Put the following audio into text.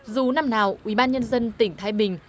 dù năm nào ủy ban nhân dân tỉnh thái bình